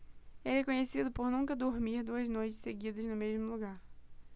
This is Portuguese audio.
ele é conhecido por nunca dormir duas noites seguidas no mesmo lugar